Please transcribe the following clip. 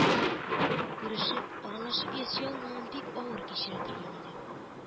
Күрешеп, аралашып яши алмавын бик авыр кичерә торган иде